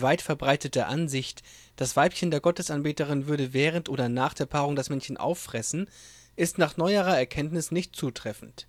weitverbreitete Ansicht, das Weibchen der Gottesanbeterin würde während oder nach der Paarung das Männchen auffressen, ist nach neuerer Erkenntnis nicht zutreffend.